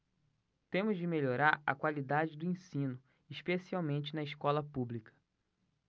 temos de melhorar a qualidade do ensino especialmente na escola pública